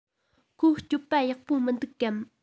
ཁོའི སྤྱོད པ ཡག པོ མི འདུག གམ